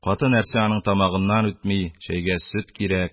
Каты нәрсә аның тамагыннан чәйгә сөт кирәк,